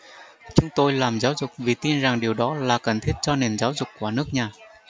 chúng tôi làm giáo dục vì tin rằng điều đó là cần thiết cho nền giáo dục của nước nhà